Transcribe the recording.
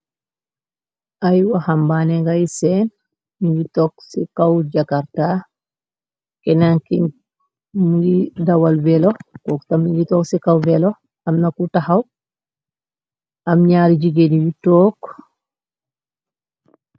Ay waxam baane ngay seen minu tog ci kaw jakarta kenanki mngi dawal vélo koog ta mingi tog ci kaw velo am naku taxaw am ñaari jigéeni yu tookk.